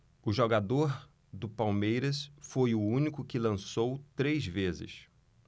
o jogador do palmeiras foi o único que lançou três vezes